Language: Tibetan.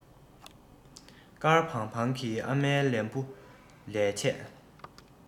དཀར བང བང གི ཨ མའི ལན བུ ལས ཆད